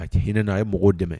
A cɛ hinɛ a ye mɔgɔw dɛmɛ